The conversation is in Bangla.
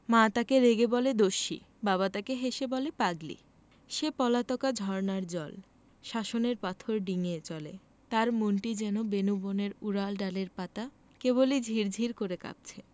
মা তাকে রেগে বলে দস্যি বাপ তাকে হেসে বলে পাগলি সে পলাতকা ঝরনার জল শাসনের পাথর ডিঙ্গিয়ে চলে তার মনটি যেন বেনূবনের উপরডালের পাতা কেবলি ঝির ঝির করে কাঁপছে